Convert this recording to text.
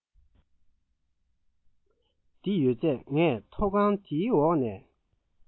འདི ཡོད ཚད ངས ཐོག ཁང འདིའི འོག ནས